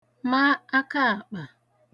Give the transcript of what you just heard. ma akaàkpà